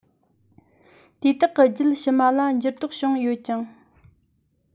དེ དག གི རྒྱུད ཕྱི མ ལ འགྱུར ལྡོག བྱུང ཡོད ཀྱང